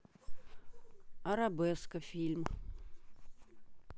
арабеска фильм